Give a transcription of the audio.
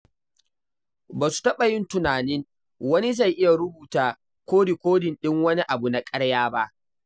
Ba su taba yin tunanin wani zai iya rubuta ko rikodin ɗin wani abu na ƙarya ba.